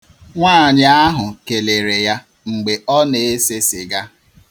Nwaanyị ahụ kelere ya mgbe ọ na-ese sịga.